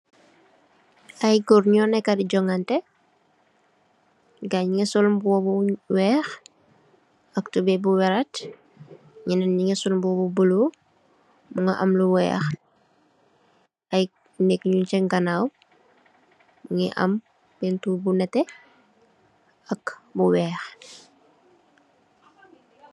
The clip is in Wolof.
Ay goor nyu neka di jogante gaay nyu gi sol mbuba bu weex ak tubai bu wallet nyenen nyugi sol mbuba bu bulu mongi am lu weex ay neeg nyun sen ganaw mongi am painturr bu nete ak bu weex.